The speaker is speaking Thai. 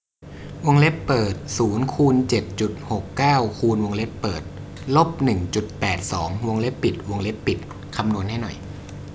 วงเล็บเปิดศูนย์คูณเจ็ดจุดหกเก้าคูณวงเล็บเปิดลบหนึ่งจุดแปดสองวงเล็บปิดวงเล็บปิดคำนวณให้หน่อย